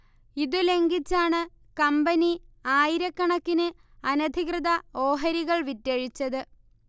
ഇതു ലംഘിച്ചാണ് കമ്പനി ആയിരക്കണക്കിന് അനധികൃത ഓഹരികൾ വിറ്റഴിച്ചത്